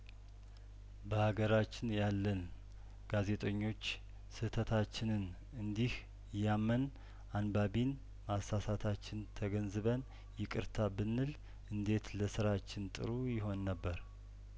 በሀገራችን ያለን ጋዜጠኞች ስህተታችንን እንዲህ እያመን አንባቢን ማሳሳታችን ተገንዝበን ይቅርታ ብንል እንዴት ለስራችን ጥሩ ይሆን ነበር